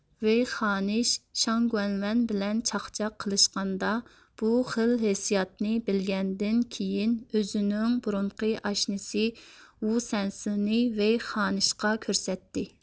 ۋېي خانىش شاڭگۈەنۋەن بىلەن چاخچاق قىلشقاندا بۇ خىل ھېسياتنى بىلگەندىن كېيىن ئۆزىنىڭ بۇرۇنقى ئاشنىسى ۋۇسەنسنى ۋېي خانىشقا كۆرسەتتى